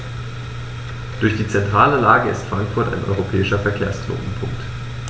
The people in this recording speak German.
Durch die zentrale Lage ist Frankfurt ein europäischer Verkehrsknotenpunkt.